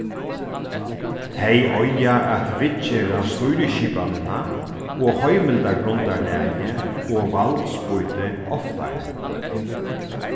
tey eiga at viðgera stýrisskipanina og heimildargrundarlagið og valdsbýtið oftari